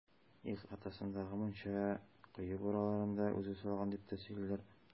Ихатасындагы мунча, кое бураларын да үзе салган, дип тә сөйлиләр.